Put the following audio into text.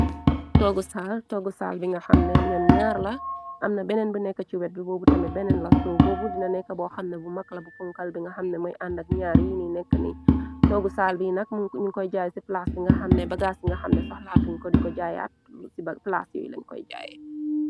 toggu saal toggu saal bi nga xamne ñaom ñaar la amna benneen bu nekk ci wet bi boobu tamit benneen la so bobu dina nekk boo xamne bu mag la bu punkal bi nga xamne mooy àndak ñaar yi ni nekk ni toggu saal bi nag ñuñ koy jaay ci plaasi nga xam ne bagaas ci nga xamne soxlaatuñ ko di ko jaayeat ci plaasi solollañ koy jaaye.